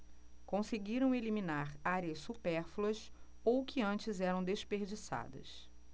conseguiram eliminar áreas supérfluas ou que antes eram desperdiçadas